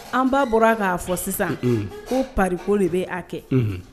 An baa bɔra k'a fɔ sisan ko pako de bɛ'a kɛ